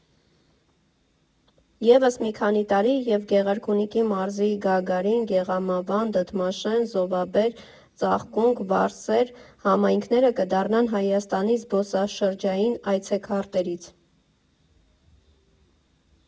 Եվս մի քանի տարի, և Գեղարքունիքի մարզի Գագարին, Գեղամավան, Դդմաշեն, Զովաբեր, Ծաղկունք, Վարսեր համայնքները կդառնան Հայաստանի զբոսաշրջային այցեքարտերից։